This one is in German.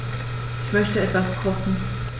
Ich möchte etwas kochen.